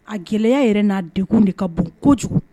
A gɛlɛya yɛrɛ n'a degun de ka bon kojugu.